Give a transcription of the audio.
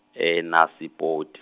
eNasipoti.